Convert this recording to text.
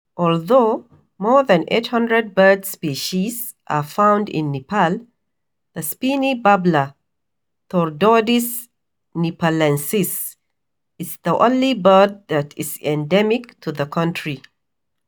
Although more than 800 bird species are found in Nepal, the Spiny Babbler (Turdoides nipalensis) is the only bird that is endemic to the country.